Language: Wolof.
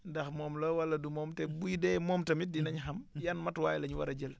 ndax moom la wala du moom te buy dee moom tamit dinañ xam yan matuwaay la ñu war a jël